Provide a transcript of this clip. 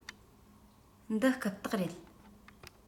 འདི རྐུབ སྟེགས རེད